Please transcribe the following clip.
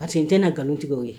A n tɛ nkalontigiw ye